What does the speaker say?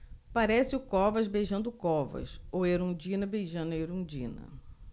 parece o covas beijando o covas ou a erundina beijando a erundina